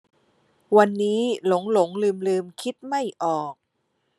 วันนี้หลงหลงลืมลืมคิดไม่ออก